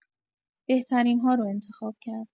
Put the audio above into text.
بهترین هارو انتخاب کرد